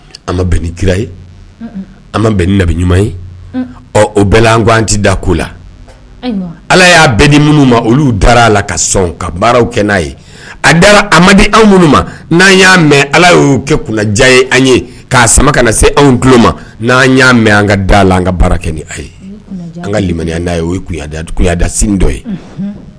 An bɛn ni kira an ma bɛn ni labɛn ɲuman ye o bɛ ganti da ko la ala y'a bɛɛ di minnu ma oluu da a la ka sɔn ka baaraw kɛ n'a ye a da a ma anw minnu ma n'an y'a mɛn ala y'o kɛ kunjan ye an ye k'a sama ka na se anw tulo ma n'an y'a mɛn an ka da la an ka baara kɛ ni aw ye an ka lammiya'a yeyada sin dɔ ye